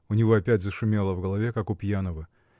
У него опять зашумело в голове, как у пьяного.